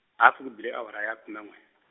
hafu ku bile awara ya khume n'we .